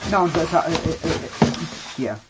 Na ond fatha yy y- y- y- y dulliau.